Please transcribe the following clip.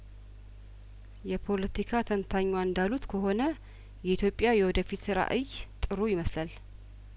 የፖለቲካ ተንታኟ እንዳሉት ከሆነ የኢትዮጲያ የወደፊት ራእይ ጥሩ ይመስላል